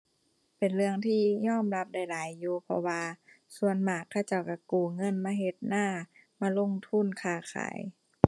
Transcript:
เป็นเรื่องที่ยอมรับได้หลายอยู่ เพราะว่าส่วนมากเขาเจ้าก็กู้เงินมาเฮ็ดนา มาลงทุนค้าขาย